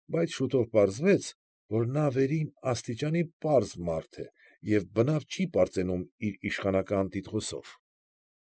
Բայց շուտով պարզվեց, որ նա վերին աստիճանի պարզ մարդ է և բնավ չի պարծենում իր իշխանական տիտղոսով։